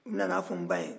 u nana fɔ n ba ye